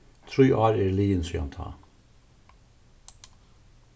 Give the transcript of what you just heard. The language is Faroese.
trý ár eru liðin síðan tá